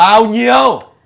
bao nhiêu